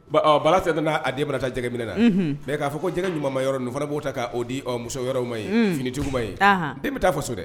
Bala tɛ n'a den bɛna taa jɛgɛgɛ min na mɛ k'a fɔ ko jɛgɛ ɲuman yɔrɔ fana b'o ta k'o di muso yɔrɔ ma ye finijugu ma ye bɛɛ bɛ taa faso so dɛ